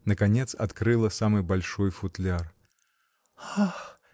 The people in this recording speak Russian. Наконец открыла самый большой футляр. — Ах!